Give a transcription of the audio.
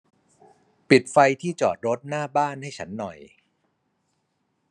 ปิดไฟที่จอดรถหน้าบ้านให้ฉันหน่อย